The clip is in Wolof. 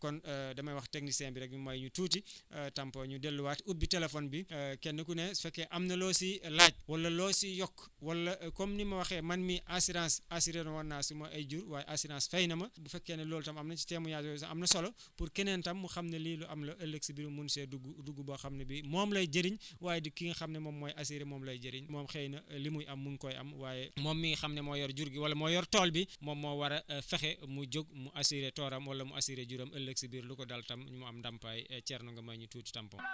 kon damay wax technicien bi mu may ñu tuuti tampon ñu delluwaat ubbi téléphone bi kenn ku ne su fekkee am nga loo siy laaj wala loo siy yokk wala comme ni ma waxee man mii assurance assurer woon naa suma ay jiw waa assurance fay na ma bu fekkee ne loolu i tam am na si témoignage yooyu sax am na solo pour keneen tam mu xam ne lii lu am la ëllëg si biir mu mun see dugg dugg boo xam ne bi moom lay jëriñ waaye du ki nga xam ne moom mooy assurer moom lay jëriñ moom xëy na li muy am mu ngi koy am waaye moom mi nga xam ne moo yor jur gi wala moo yor tool bi moom moo war a fexe mu jóg mu assurer toolam wala mu assurer juram ëllëg si biir lu ko dal tam mu am ndàmpaay Thierno nga may ñu tuuti tampon